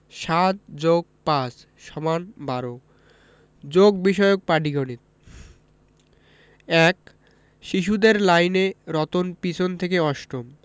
৭+৫ = ১২ যোগ বিষয়ক পাটিগনিতঃ ১ শিশুদের লাইনে রতন পিছন থেকে অষ্টম